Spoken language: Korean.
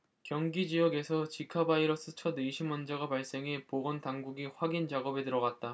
경기지역에서 지카바이러스 첫 의심환자가 발생해 보건당국이 확인 작업에 들어갔다